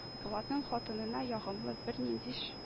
Булатның хатынына ягымлы, берниндиш